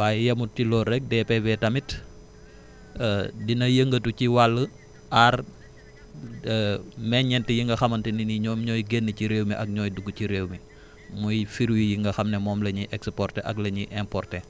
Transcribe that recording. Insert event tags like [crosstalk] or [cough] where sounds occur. waaye yemul ci loolu rek DPV tamit [hesitation] dina yëngatu ci wàllu aar [hesitation] meññeent yi nga xamante ni ñoom ñooy génn ci réew mi ak ñooy dugg ci réew mi muy fruits yi nga xam ne moom la ñuy exporter ak la ñuy importer